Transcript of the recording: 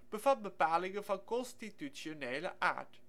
bevat bepalingen van constitutionele aard